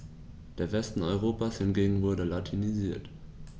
Der Westen Europas hingegen wurde latinisiert.